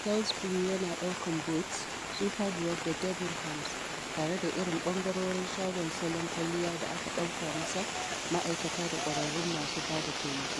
Sainsbury’s yana ɗaukan Boots, Superdrug da Debenhams tare da irin ɓangarorin shagon salon kwalliya da aka ɗauka masa ma’aikata da ƙwararrun masu ba da taimako.